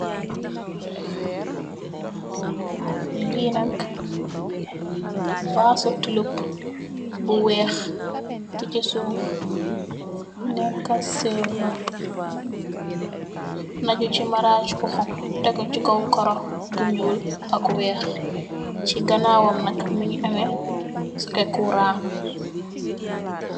Lii nak vaasu tuluk bu wekh chi suff neka silver, naaju chi marajj bu honha, tehgu chi kaw karoh bu njull ak wekh, chi ganawam nak mungy ameh socket kurang.